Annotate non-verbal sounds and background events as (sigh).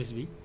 (hesitation) (hesitation)